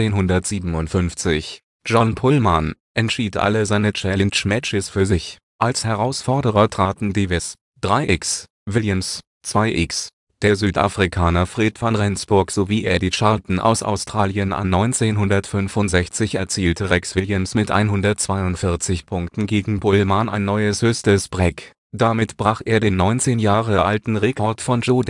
1957, John Pulman, entschied alle seine Challenge-Matches für sich. Als Herausforderer traten Davis (3×), Williams (2×), der Südafrikaner Fred Van Rensburg sowie Eddie Charlton aus Australien an. 1965 erzielte Rex Williams mit 142 Punkten gegen Pulman ein neues höchstes Break. Damit brach er den 19 Jahre alten Rekord von Joe